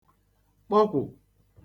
kpọkwụ